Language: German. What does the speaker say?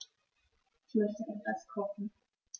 Ich möchte etwas kochen.